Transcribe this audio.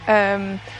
yym